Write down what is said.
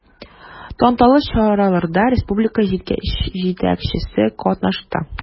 Тантаналы чараларда республика җитәкчелеге катнашты.